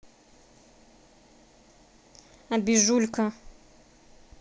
обижулька